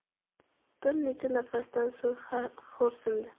bir necha nafasdan so'ng xo'rsindi